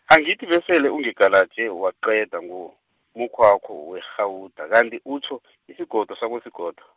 angithi besele ungigalaje, waqeda ngomukhwakho werhawuda, kanti utjho, isigodo sakosigodo.